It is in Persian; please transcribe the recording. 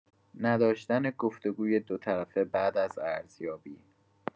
نداشتن گفت‌وگوی دوطرفه بعد از ارزیابی